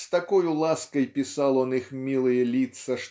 с такою лаской писал он их милые лица